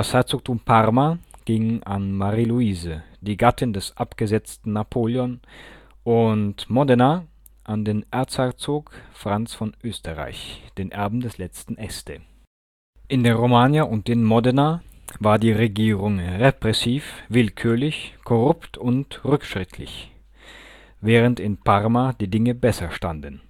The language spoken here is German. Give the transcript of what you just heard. Herzogtum Parma ging an Marie Louise, die Gattin des abgesetzten Napoleon, und Modena an den Erzherzog Franz von Österreich, den Erben des letzten Este. In der Romagna und in Modena war die Regierung repressiv, willkürlich, korrupt und rückschrittlich, während in Parma die Dinge besser standen